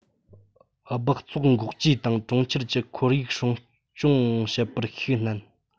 སྦགས བཙོག འགོག བཅོས དང གྲོང ཁྱེར གྱི ཁོར ཡུག སྲུང སྐྱོང བྱེད པར ཤུགས བསྣན